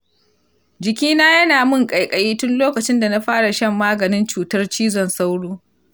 jikina yana min ƙaiƙayi tun lokacin da na fara shan maganin cutar cizon sauron.